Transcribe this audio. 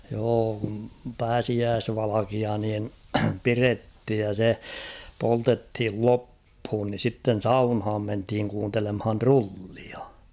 joo kun pääsiäisvalkea niin pidettiin ja se poltettiin loppuun niin sitten saunaan mentiin kuuntelemaan trullia